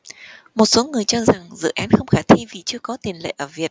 một số người cho rằng dự án không khả thi vì chưa có tiền lệ ở việt